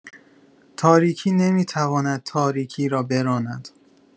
تاریکی نمی‌تواند تاریکی را براند